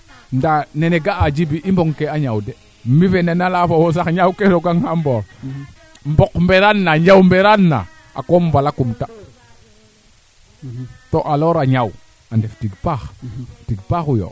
ko buko liila den boya de mbeerna o soogo waago suga den so soogo waago yip no saaku ɓek na ndok a liila leene jega waa ando naye meede liil na a ñaaw sax kaa ata den jafe jafe yaam xar